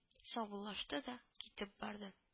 Саубуллашты да, китеп барды